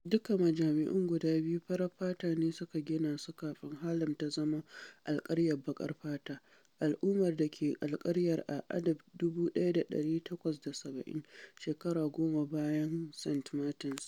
Duka majami’un guda biyu farar fata ne suka gina su kafin Harlem ta zama alƙaryar baƙaƙen fata - Al’ummar da ke Alƙaryar a 1870, shekaru goma bayan St. Martin’s.